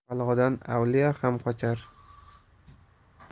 balodan avliyo ham qochar